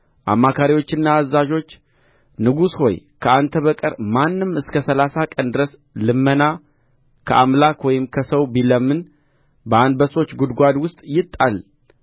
አማካሪዎችና አዛዦች ንጉሥ ሆይ ከአንተ በቀር ማንም እስከ ሠላሳ ቀን ድረስ ልመና ከአምላክ ወይም ከሰው ቢለምን በአንበሶች ጕድጓድ ውስጥ ይጣል